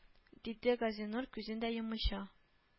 Диде газинур күзен дә йоммыйча